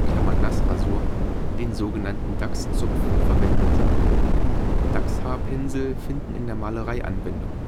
Nassrasur), den sogenannten Dachszupf, verwendet. Dachshaarpinsel finden in der Malerei Anwendung